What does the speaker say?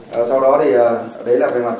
sau đó thì đấy là